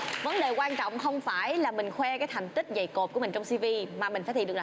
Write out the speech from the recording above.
vấn đề quan trọng không phải là mình khoe cái thành tích dày cộp của mình trong xi vi mà mình phải thể hiện